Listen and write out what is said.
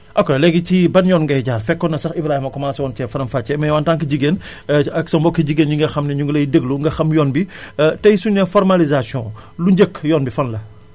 ok léegi ci ban yoon ngay jaar fekkoon na sax Ibrahima commencé woon cee faram fàcce mais yow en tant que jigéen ak sa mbokki jigéen ñi nga xam ne ñu ngi lay déglu nga xam yoon bi tay suñu nee formalisation lu njëkk yoon bi fan la